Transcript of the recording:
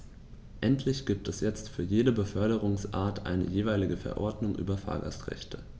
Endlich gibt es jetzt für jede Beförderungsart eine jeweilige Verordnung über Fahrgastrechte.